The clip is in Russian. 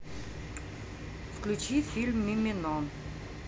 включи фильм мимино